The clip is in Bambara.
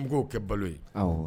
An kɛ balo ye